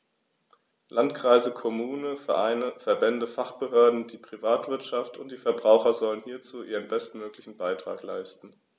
Landkreise, Kommunen, Vereine, Verbände, Fachbehörden, die Privatwirtschaft und die Verbraucher sollen hierzu ihren bestmöglichen Beitrag leisten.